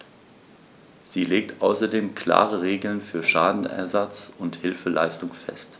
Sie legt außerdem klare Regeln für Schadenersatz und Hilfeleistung fest.